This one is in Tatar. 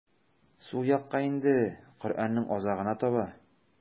Сул якка инде, Коръәннең азагына таба.